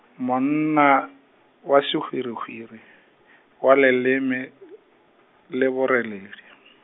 monna wa sehwirihwiri, wa leleme , le boreledi.